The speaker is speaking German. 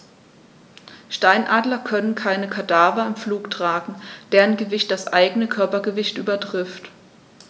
Steinadler können keine Kadaver im Flug tragen, deren Gewicht das eigene Körpergewicht übertrifft.